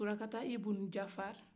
sulakata ibun jafar